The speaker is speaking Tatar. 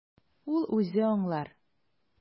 Ул үзе аңлар.